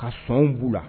Ka sɔn b'u la